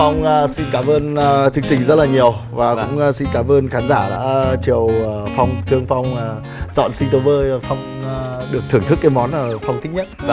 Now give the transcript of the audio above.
phong xin cảm ơn chương trình rất là nhiều và cũng xin cảm ơn khán giả chiều phong thương phong chọn sinh tố bơ cho phong được thưởng thức cái món mà phong thích nhất